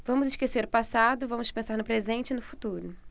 vamos esquecer o passado vamos pensar no presente e no futuro